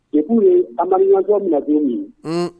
I k'u ye an amadu ɲjɔ min den min